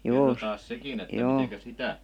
kerrotaanpas sekin että miten sitä